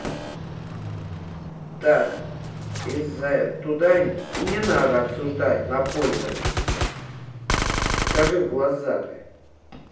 так из за туда и не надо обсуждать напольную и скажи в глаза